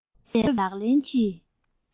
འགོད པའི ལག ལེན གྱི